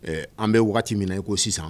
Ɛɛ an bɛ waati min i ko sisan